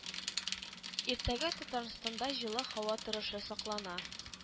Иртәгә Татарстанда җылы һава торышы саклана